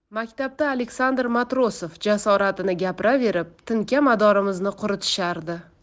maktabda aleksandr matrosov jasoratini gapiraverib tinkamadorimizni quritishardi